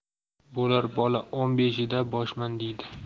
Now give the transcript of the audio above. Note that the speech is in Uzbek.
bo'lar bola o'n beshida boshman deydi